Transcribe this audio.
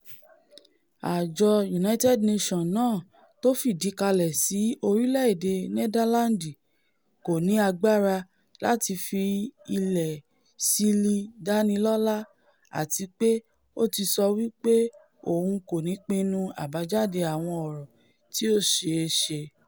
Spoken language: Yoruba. Àjọ UN náà tófìdí kalẹ̀ sí orílẹ̀-èdè Nẹdáláǹdi kòní agbára láti fi ilẹ̀ Ṣílì dánilọ́lá, àtipé ó ti sọ wí pé òun kòni pinnu àbájáde àwọn ọ̀rọ̀ tí ó ṣeé ṣe.